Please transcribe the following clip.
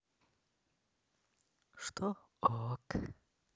что ok